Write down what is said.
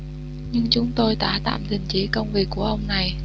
nhưng chúng tôi đã tạm đình chỉ công việc của ông này